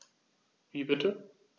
Wie bitte?